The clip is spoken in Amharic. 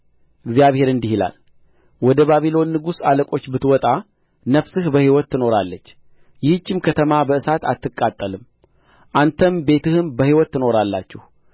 እግዚአብሔር እንዲህ ይላል ወደ ባቢሎን ንጉሥ አለቆች ብትወጣ ነፍስህ በሕይወት ትኖራለች ይህችም ከተማ በእሳት አትቃጠልም አንተም ቤትህም በሕይወት ትኖራላችሁ